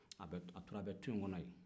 a bɛ a tolen bɛ tu nin kɔnɔ yen